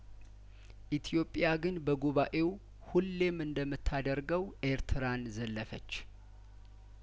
ኢትዮጵያ ግን በጉባኤው ሁሌም እንደምታ ደርገው ኤርትራን ዘለፈች